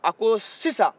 a ko sisan